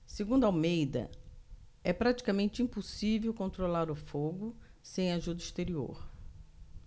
segundo almeida é praticamente impossível controlar o fogo sem ajuda exterior